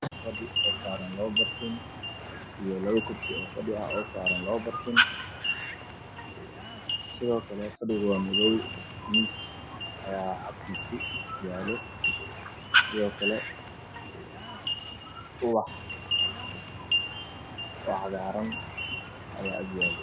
Meeshaan waa fadhi madow ah oo ubax cagaaran agyaalo